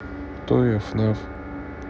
кто я фнаф